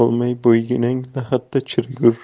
bo'lmay bo'yginang lahatda chirigur